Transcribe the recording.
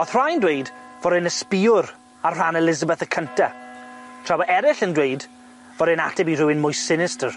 O'dd rhai'n dweud fod e'n ysbïwr ar rhan Elisabeth y cynta tra bo' eryll yn dweud bod e'n ateb i rywun mwy sinistr.